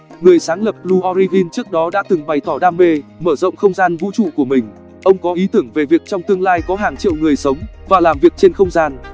người sáng lập blue origin trước đó đã từng bày tỏ đam mê mở rộng không gian vũ trụ của mình ông có ý tưởng về việc trong tương lai có hàng triệu người sống và làm việc trên không gian